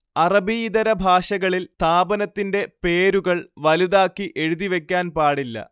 അറബിയിതര ഭാഷകളിൽ സ്ഥാപനത്തിന്റെ പേരുകൾ വലുതാക്കി എഴുതി വെക്കാൻ പാടില്ല